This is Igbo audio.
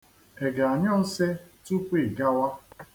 Ị ga-anyụ nsị tupu ị gawa?